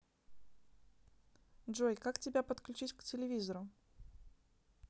джой как тебя подключить к телевизору